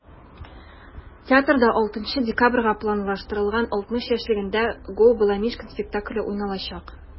Театрда 6 декабрьгә планлаштырылган 60 яшьлегендә дә “Gо!Баламишкин" спектакле уйналачак.